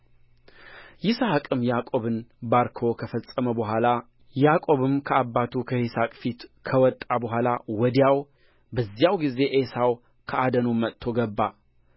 ይስሐቅም ያዕቆብን ባርኮ ከፈጸመ በኋላ ያዕቆብም ከአባቱ ከይስሐቅ ፊት ከወጣ በኋላ ወዲያው በዚያው ጊዜ ዔሳው ከአደኑ መጥቶ ገባ